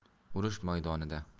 urush maydonida